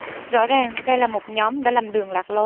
rõ ràng đây là một nhóm đã lầm đường lạc lối